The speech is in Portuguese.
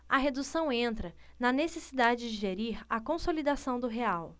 a redução entra na necessidade de gerir a consolidação do real